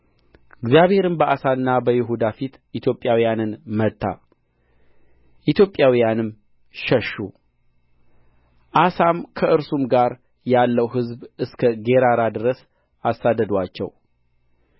እግዚአብሔርም በአሳና በይሁዳ ፊት ኢትዮጵያውያንን መታ ኢትዮጵያውያንም ሸሹ አሳም ከእርሱም ጋር ያለው ሕዝብ እስከ ጌራራ ድረስ አሳደዱአቸው